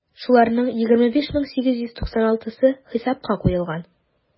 Шуларның 25 мең 896-сы хисапка куелган.